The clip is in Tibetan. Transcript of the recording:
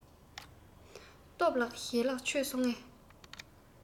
སྟོབས ལགས ཞལ ལག མཆོད སོང ངས